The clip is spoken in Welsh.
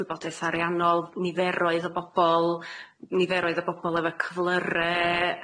gwybodaeth ariannol, niferoedd o bobol niferoedd o bobol efo cyflyre,